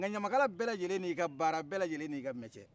nka ɲamakala bɛlajɛle ni ka baara bɛlajɛle ni ka metiye